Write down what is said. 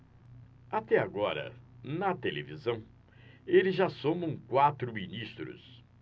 até agora na televisão eles já somam quatro ministros